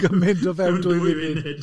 Gymaint o fewn dwy funud!